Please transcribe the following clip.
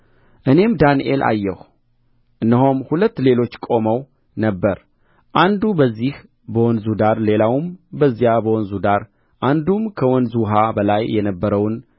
እኔም ዳንኤል አየሁ እነሆም ሁለት ሌሎች ቆመው ነበር አንዱ በዚህ በወንዙ ዳር ሌላውም በዚያ በወንዙ ዳር አንዱም ከወንዙ ውኃ በላይ የነበረውን